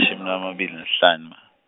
emashumi lamabili nesihlanu.